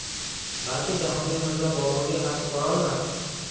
balki jahongir mirzo boburga qarshi borolmas